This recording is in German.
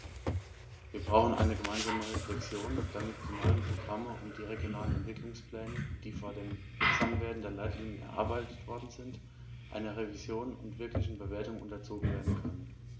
Wir brauchen eine gemeinsame Reflexion, damit die neuen Programme und die regionalen Entwicklungspläne, die vor dem Wirksamwerden der Leitlinien erarbeitet worden sind, einer Revision und wirklichen Bewertung unterzogen werden können.